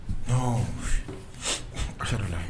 Non! a chahdu anla